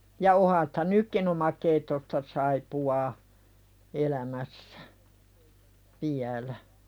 ja onhan sitä nytkin omakeittoista saippuaa elämässä vielä